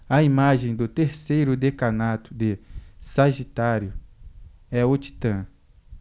a imagem do terceiro decanato de sagitário é o titã